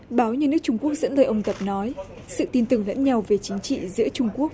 báo nhà nước trung quốc dẫn lời ông tập nói sự tin tưởng lẫn nhau về chính trị giữa trung quốc